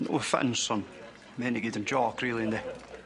No offence on' ma' 'yn i gyd yn jôc rili yndi?